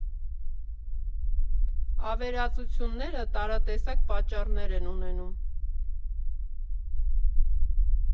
Ավերածությունները տարատեսակ պատճառներ են ունենում։